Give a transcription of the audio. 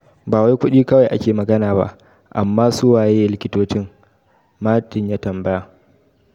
"Ba wai kudi kawai ake magana ba, amma suwaye likitocin?" Martin ya tambaya.